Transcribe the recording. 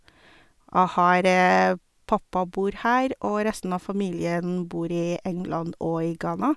jeg har Pappa bor her, og reisten av familien bor i England og i Ghana.